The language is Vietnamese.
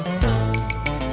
vang